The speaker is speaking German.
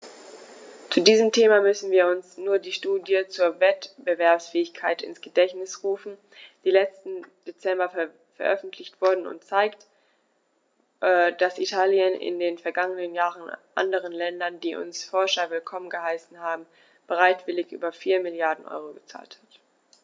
Zu diesem Thema müssen wir uns nur die Studie zur Wettbewerbsfähigkeit ins Gedächtnis rufen, die letzten Dezember veröffentlicht wurde und zeigt, dass Italien in den vergangenen Jahren anderen Ländern, die unsere Forscher willkommen geheißen haben, bereitwillig über 4 Mrd. EUR gezahlt hat.